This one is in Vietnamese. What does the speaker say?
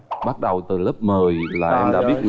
bắt đầu từ lớp mười là em đã biết